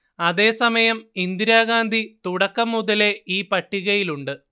അതേ സമയം ഇന്ദിരാഗാന്ധി തുടക്കം മുതലേ ഈ പട്ടികയിലുണ്ട്